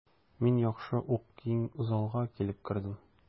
Мин яхшы ук киң залга килеп кердем.